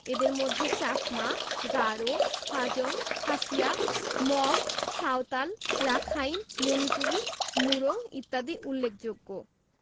এদের মধ্যে চাকমা গারো হাজং খাসিয়া মগ সাঁওতাল রাখাইন মণিপুরী মুরং ইত্যাদি উল্লেখযোগ্য